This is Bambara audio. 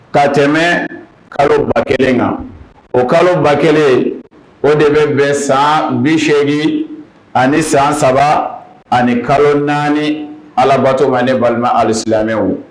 Ka tɛmɛ kalo ba kelen kan o kalo ba kelen o de bɛ bɛn san bi8egin ani san saba ani kalo naani alabato bɛ ne balima alisimɛ wo